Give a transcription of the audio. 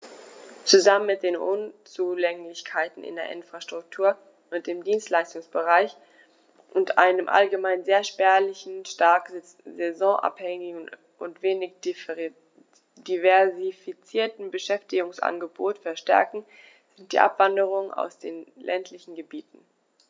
Zusammen mit den Unzulänglichkeiten in der Infrastruktur und im Dienstleistungsbereich und einem allgemein sehr spärlichen, stark saisonabhängigen und wenig diversifizierten Beschäftigungsangebot verstärken sie die Abwanderung aus den ländlichen Gebieten.